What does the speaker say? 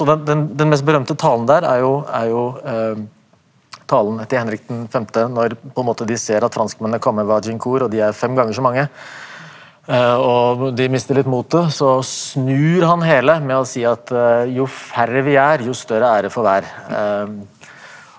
og den den den mest berømte talen der er jo er jo talen til Henrik den femte når på en måte de ser at franskmennene kommer ved Agincourt og de er fem ganger så mange og de mister litt motet så snur han hele med å si at jo færre vi er, jo større ære for hver .